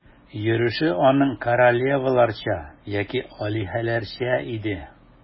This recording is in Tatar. Йөреше аның королеваларча яки алиһәләрчә иде.